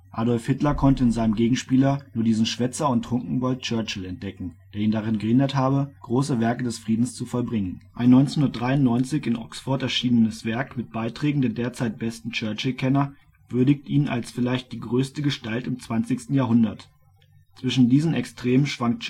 Adolf Hitler konnte in seinem Gegenspieler nur " diesen Schwätzer und Trunkenbold Churchill " entdecken, der ihn daran gehindert habe, " große Werke des Friedens " zu vollbringen. Ein 1993 in Oxford erschienenes Werk mit Beiträgen der derzeit besten Churchill-Kenner (s.u.) würdigt ihn als " vielleicht die größte Gestalt im 20. Jahrhundert. " Zwischen diesen Extremen schwankt